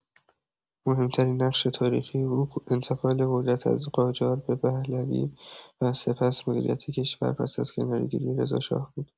مهم‌ترین نقش تاریخی او انتقال قدرت از قاجار به پهلوی و سپس مدیریت کشور پس از کناره‌گیری رضا شاه بود؛